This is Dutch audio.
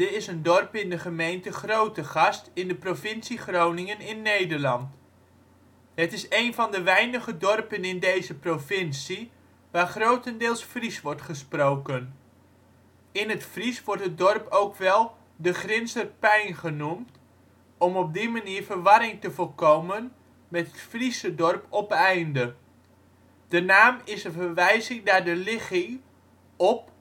is een dorp in de gemeente Grootegast in de provincie Groningen in Nederland. Het is een van de weinige dorpen in deze provincie waar grotendeels Fries wordt gesproken. In het Fries wordt het dorp ook wel De Grinzer Pein genoemd om op die manier verwarring te voorkomen met het Friese dorp Opeinde. De naam is verwijzing naar de ligging: op